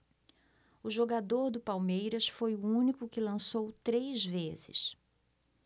o jogador do palmeiras foi o único que lançou três vezes